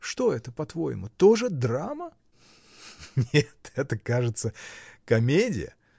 Что это, по-твоему: тоже драма? — Нет, это, кажется. комедия!